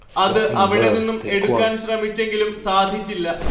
അത് അവിടെനിന്നും എടുക്കാൻ ശ്രമിച്ചെങ്കിലും സാധിച്ചില്ല